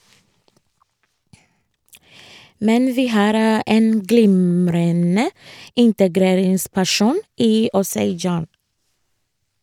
Men vi har en glimrende integreringsperson i Osei Gyan.